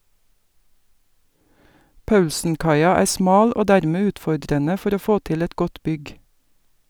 Paulsenkaia er smal og dermed utfordrende for å få til et godt bygg.